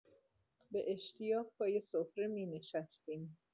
به اشتیاق پای سفره می‌نشستیم.